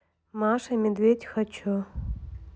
маша и медведь хочу